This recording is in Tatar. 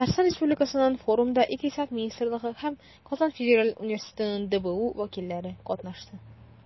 Татарстан Республикасыннан форумда Икътисад министрлыгы һәм КФҮ ДБУ вәкилләре катнашты.